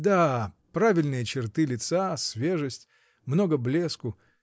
— Да. правильные черты лица, свежесть, много блеску.